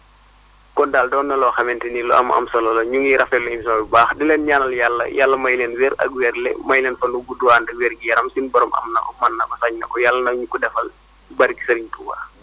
kon daal doon na loo xamante ni lu am a am solo la ñu ngi rafetlu émission bi bu baax di leen ñaanal yàlla yàlla may leen wér ak wérle may leen fan wu gudd ànd ak wér gu yaram suñu borom am na ko mën na ko sañ na ko yàlla nañu ko defal si barke sëriñ Touba